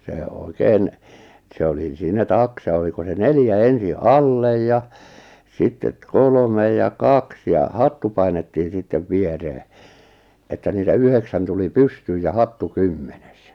se oikein se oli siinä taksa oliko se neljä ensin alle ja sitten kolme ja kaksi ja hattu painettiin sitten viereen että niitä yhdeksän tuli pystyyn ja hattu kymmenes